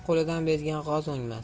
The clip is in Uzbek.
ko'lidan bezgan g'oz o'ngmas